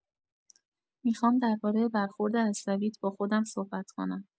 می‌خوام درباره برخورد عصبیت با خودم صحبت کنم.